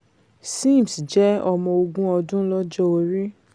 Sims jẹ́ ọmọ ogún ọdún lọ́jọ́ orí.